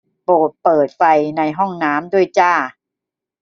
โปรดเปิดไฟในห้องน้ำด้วยจ้า